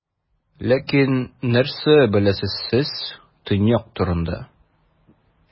Ләкин нәрсә беләсез сез Төньяк турында?